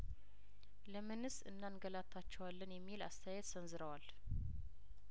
ለምንስ እናንገላታቸዋለን የሚል አስተያየት ሰንዝረዋል